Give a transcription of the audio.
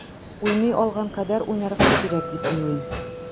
Уйный алган кадәр уйнарга кирәк дип уйлыйм.